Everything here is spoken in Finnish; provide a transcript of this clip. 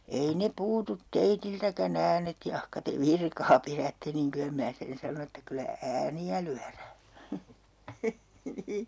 ei ne puutu teiltäkään äänet jahka te virkaa pidätte niin kyllä minä sen sanon että kyllä ääniä lyödään